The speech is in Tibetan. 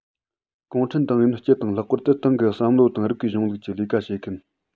གུང ཁྲན ཏང ཡོན སྤྱི དང ལྷག པར དུ ཏང གི བསམ བློ དང རིགས པའི གཞུང ལུགས ཀྱི ལས ཀ བྱེད མཁན